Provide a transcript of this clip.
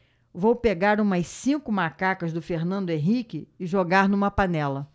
vou pegar umas cinco macacas do fernando henrique e jogar numa panela